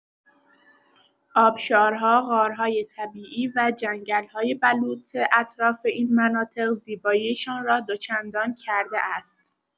آبشارها، غارهای طبیعی و جنگل‌های بلوط اطراف این مناطق زیبایی‌شان را دوچندان کرده است.